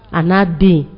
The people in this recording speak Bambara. A n'a den